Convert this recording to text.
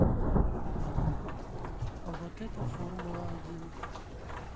вот это формула один